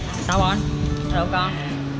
sao bon ăn được không con